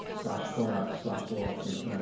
Slash corrach slash dwarves, neu beth bynnag.